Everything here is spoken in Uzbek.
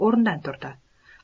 o'rnidan turdi